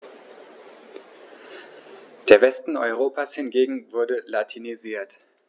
Der Westen Europas hingegen wurde latinisiert.